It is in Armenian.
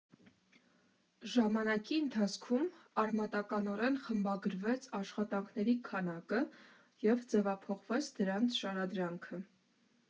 Ժամանակի ընթացքում արմատականորեն խմբագրվեց աշխատանքների քանակը և ձևափոխվեց դրանց շարադրանքը։